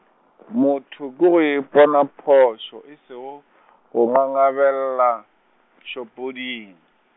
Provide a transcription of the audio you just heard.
motho ke go ipona phošo e sego, go ngangabela, šopoding.